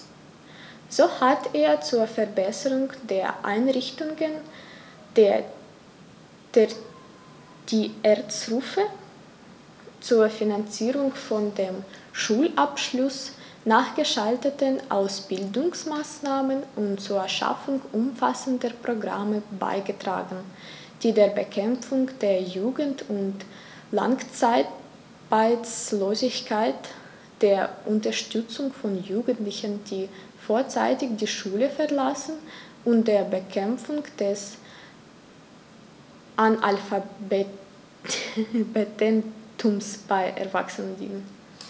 So hat er zur Verbesserung der Einrichtungen der Tertiärstufe, zur Finanzierung von dem Schulabschluß nachgeschalteten Ausbildungsmaßnahmen und zur Schaffung umfassender Programme beigetragen, die der Bekämpfung der Jugend- und Langzeitarbeitslosigkeit, der Unterstützung von Jugendlichen, die vorzeitig die Schule verlassen, und der Bekämpfung des Analphabetentums bei Erwachsenen dienen.